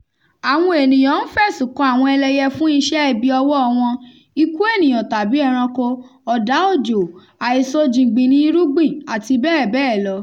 Àwọn ènìyàn ń f'ẹ̀sùn kan àwọn ẹlẹyẹ fún iṣẹ́-ibi ọwọ́ọ wọn: ikú ènìyàn tàbí ẹranko, ọ̀dá òjò, àìso jìngbìnnì irúgbìn, àti bẹ́èbẹ́è lọ.